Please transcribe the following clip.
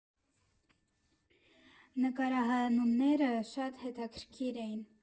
Նկարահանումները շատ հետաքրքիր էին։